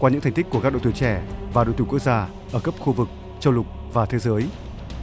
qua những thành tích của các đội tuyển trẻ và đội tuyển quốc gia ở cấp khu vực châu lục và thế giới